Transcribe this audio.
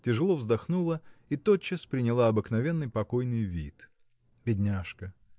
тяжело вздохнула и тотчас приняла обыкновенный покойный вид. Бедняжка!